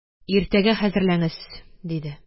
Иртәгә хәзерләңез, – диде.